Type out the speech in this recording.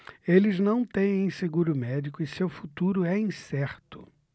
eles não têm seguro médico e seu futuro é incerto